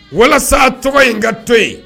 Walasa tɔgɔ in ka to yen